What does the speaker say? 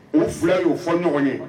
U fila y'u fɔ ɲɔgɔn ye